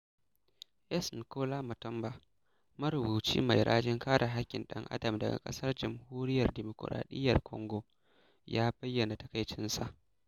S, Nkola Matamba, marubuci mai rajin kare haƙƙin ɗan adam daga ƙasar Jamhuriyar Dimukraɗiyyar Kwango ya bayyana takaicinsa: